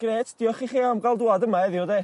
Grêt diolch i chi am ga'l dŵad yma heddiw de?